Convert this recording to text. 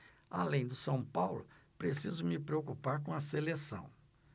além do são paulo preciso me preocupar com a seleção